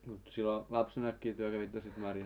mutta silloin lapsenakin te kävitte sitten marjassa